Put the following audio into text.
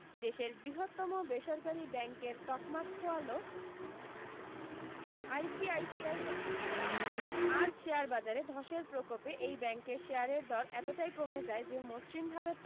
দেশের বৃহত্তম বেসরকারি ব্যাংক তকমা খোয়ালো আইসিআইসিআই ব্যাংক আজ শেয়ার বাজারে ধসের প্রকোপে এই ব্যাংকের শেয়ারের দর এতটাই কমে যায় যে মসৃণ ভাবে